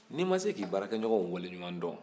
n'i ma se k'i baarakɛɲɔngɔnw waleɲumandɔn